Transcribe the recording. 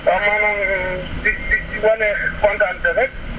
waaw moom moom di di di wane kontaante rek